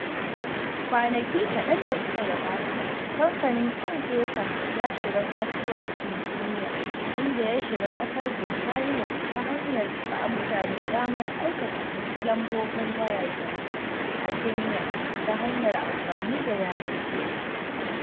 Kwanaki kaɗan da suka gabata, kamfanin M-Pesa ya shiga kasuwancin duniya, inda ya shiga ƙasar Burtaniya ta hanyar ba mutane damar aika kuɗi ta lambobin wayar hannu a Kenya ta hanyar amfani da yanar gizo